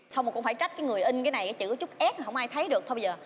thôi cũng phải trách của người in cái này cái chữ ét hổng ai thấy được thôi bây giờ